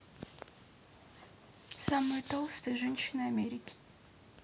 самые толстые женщины америки